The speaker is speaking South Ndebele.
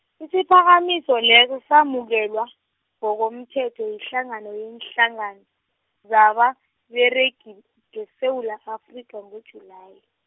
isiphakamiso leso samukelwa, ngokomthetho yihlangano yeenhlangano, zababeregi, ngeSewula Afrika ngoJulayi.